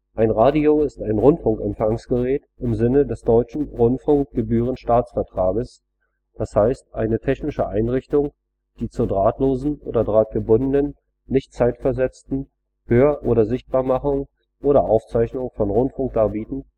Ein Radio ist ein Rundfunkempfangsgerät im Sinne des deutschen Rundfunkgebührenstaatsvertrages, d. h. eine „ technische Einrichtung, die zur drahtlosen oder drahtgebundenen, nicht zeitversetzten Hör - oder Sichtbarmachung oder Aufzeichnung von Rundfunkdarbietungen